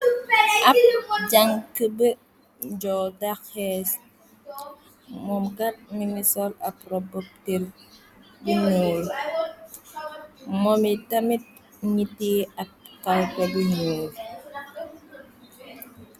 Ab janka bu joo la xeec moom gat minisol ak robboptel bu ñyuur momi tamit miti ak tawka bu nyuur.